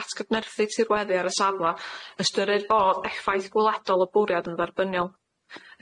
atgyfnerthu tirweddi ar y safle ystyried fod effaith gwledol y bwriad yn dderbyniol.